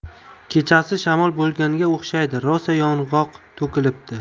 kechasi shamol bo'lganga o'xshaydi rosa yong'oq to'kilibdi